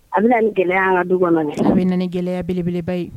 An bɛ na gɛlɛya ka du kɔnɔ fula bɛ na ni gɛlɛyaya beleba ye